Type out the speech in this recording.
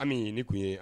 A min ye nin tun ye